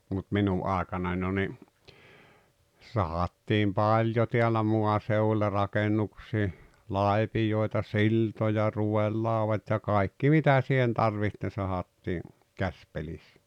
mutta minun aikana jo niin sahattiin paljon täällä maaseudulla rakennuksiin lapioita siltoja ruodelaudat ja kaikki mitä siihen tarvitsi ne sahattiin käsipelissä